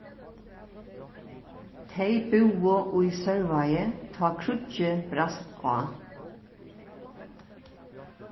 tey búðu í sørvági tá kríggið brast á